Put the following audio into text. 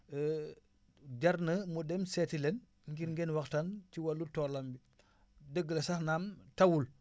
jar na mu dem seeti leen ngir ngeen waxtaan ci wàllu toolam bi dëgg la sax naam tawul